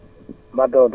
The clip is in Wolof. sant alxamdulilaa